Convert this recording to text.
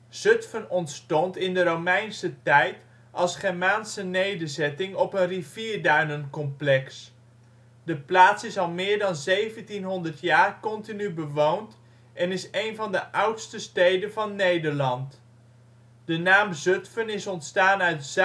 Zutphen ontstond in de Romeinse tijd als Germaanse nederzetting op een rivierduinencomplex. De plaats is al meer dan 1700 jaar continu bewoond en is een van de oudste steden van Nederland. De naam Zutphen is ontstaan uit Zuid-venne